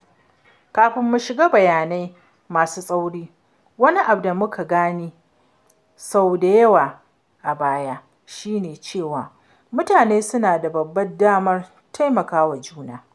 Kafin mu shiga bayanai masu tsauri, wani abu da muka gani sau da yawa a bana shi ne cewa mutane suna da babbar damar taimaka wa juna.